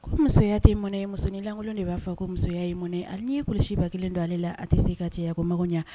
Ko musoya tɛ mɔnɛ ye musoninlankolon de b'a fɔ ko musoya in mɔnɛ a n'ie kulu ba kelen don ale la a tɛ se ka cayaya ko ma ɲɛ